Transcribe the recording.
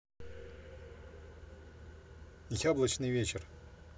яблоневый вечер